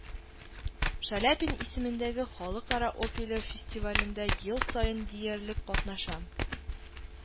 Шаляпин исемендәге Халыкара опеля фестивалендә ел саен диярлек катнашам